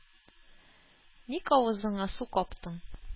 Ник авызыңа су каптың?